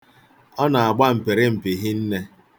Ọ na-agba mpịrịmpị hinne.